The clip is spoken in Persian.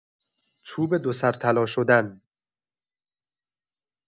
چوب دو سر طلا شدن